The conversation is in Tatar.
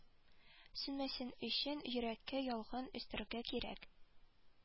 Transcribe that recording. Сүнмәсен өчен йөрәккә ялкын өстәргә кирәк